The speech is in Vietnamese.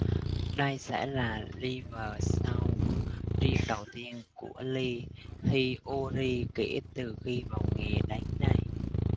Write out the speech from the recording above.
đây sẽ là live show riêng đầu tiên của lee hyori kể từ khi vào nghề đến nay